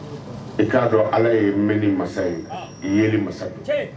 I k'a dɔn ala ye mɛn ni masa ye i ye masa ye